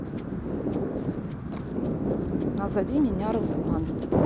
назови меня руслан